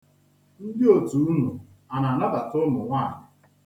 Ndị otu unu, a na-anabata ụmụnwaanyị?